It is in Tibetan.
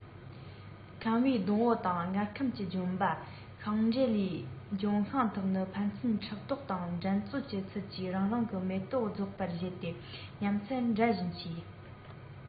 ཁམ བུའི སྡོང པོ དང མངར ཁམ གྱི ལྗོན པ ཤིང འབྲས ལིའི ལྗོན ཤིང དག ནི ཕན ཚུན ཕྲག དོག དང འགྲན རྩོད ཀྱི ཚུལ གྱིས རང རང གི མེ ཏོག རྫོགས པར བཞད དེ ཉམས མཚར འགྲན བཞིན མཆིས